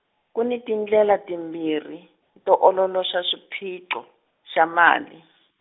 ku ni tindlela timbirhi, to ololoxa xiphiqo, xa mali.